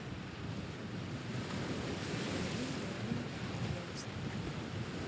гори гори ясно